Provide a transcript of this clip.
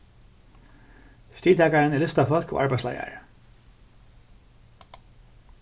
stigtakarin er listafólk og arbeiðsleiðari